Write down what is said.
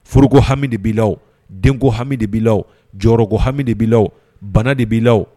Foroko hami de b bɛ la denko hami de b bɛ la jɔyɔrɔko hami de bɛ bana de b bɛ la